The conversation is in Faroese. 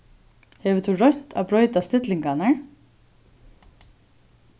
hevur tú roynt at broyta stillingarnar